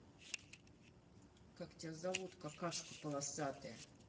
как тебя зовут какашка полосатая